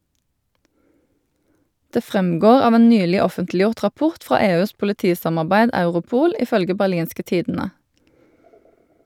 Det fremgår av en nylig offentliggjort rapport fra EUs politisamarbeid Europol, ifølge Berlingske Tidende.